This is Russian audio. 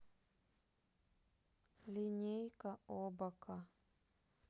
линейка обака